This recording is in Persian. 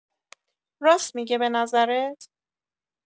راس می‌گه به نظرت؟